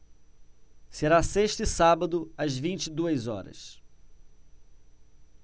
será sexta e sábado às vinte e duas horas